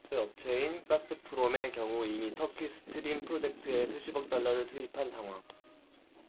최대 천연가스업체인 가스프롬의 경우 이미 터키 스트림 프로젝트에 수십억 달러를 투입한 상황